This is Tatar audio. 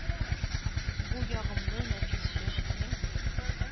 Бу ягымлы, нәфис чәчкәнең